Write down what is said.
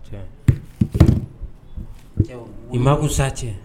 I ma kun sa cɛ